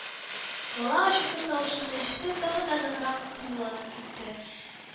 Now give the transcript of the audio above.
Бала, ачусыз тавышымны ишетеп, тагын да ныграк кыюланып китте